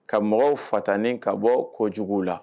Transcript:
Ka mɔgɔw fataani ka bɔ jugu la.